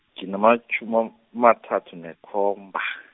nginamatjhumi am- mathathu nekhomba.